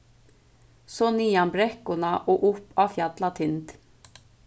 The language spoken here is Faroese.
so niðan brekkuna og upp á fjallatind